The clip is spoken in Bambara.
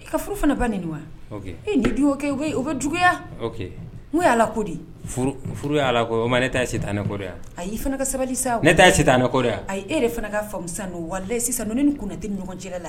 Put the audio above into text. Ka furu fɛnɛ ba nenin wa ok e n'i dun y'o kɛ o be o be juguya ok ŋ'o ye Ala ko de ye furu furu ye Ala ko ye o tuma ne ta ye sitanɛ ko de ye a ayi i fana ka sabali sa ne ta ye sitanɛ ko de ye a ayi e yɛrɛ fana k'a faamu sannɔ walahi sisannɔ ne ni Konate ni ɲɔgɔn cɛla la